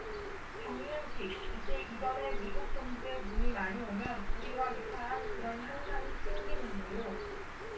정윤식 이제 이번에 미국 동부에 눈이 많이 오면 우리와 유사한 그런 현상이 생기는데요